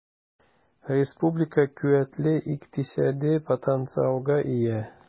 Республика куәтле икътисади потенциалга ия.